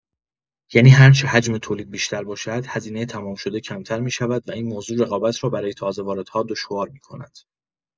یعنی هرچه حجم تولید بیشتر باشد، هزینه تمام‌شده کمتر می‌شود و این موضوع رقابت را برای تازه‌واردها دشوار می‌کند.